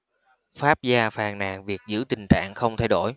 pháp gia phàn nàn việc giữ tình trạng không thay đổi